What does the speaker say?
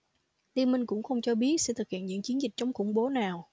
liên minh cũng không cho biết sẽ thực hiện những chiến dịch chống khủng bố nào